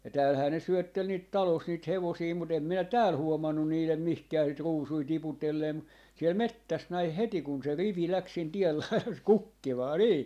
ja täällähän ne syötteli niitä talossa niitä hevosia mutta en minä täällä huomannut niiden mihinkään niitä ruusuja tiputelleen - siellä metsässä näin heti kun se rivi lähti sen tien laidassa kukkimaan niin